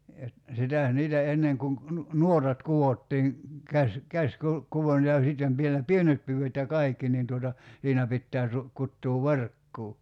- sitä niitä ennen kun -- nuotat kudottiin -- käsikudontaa ja sitten vielä pienet pyydöt ja kaikki niin tuota siinä pitää - kutoa verkkoa